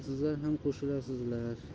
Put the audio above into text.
sizlar ham qo'shilasiz